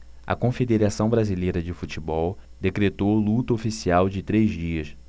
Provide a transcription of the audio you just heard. a confederação brasileira de futebol decretou luto oficial de três dias